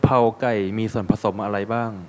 กะเพราไก่มีส่วนผสมอะไรบ้าง